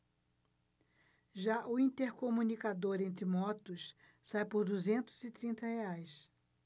já o intercomunicador entre motos sai por duzentos e trinta reais